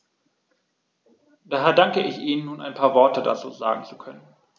Daher danke ich Ihnen, nun ein paar Worte dazu sagen zu können.